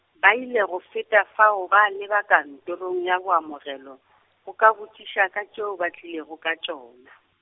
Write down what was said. ba ile go feta fao ba leba kantorong ya boamogelo , go ka botšiša ka tšeo ba tlilego ka tšona.